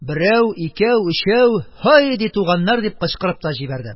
Берәү, икәү, өчәү! Һайди, туганнар! - дип кычкырып та җибәрде.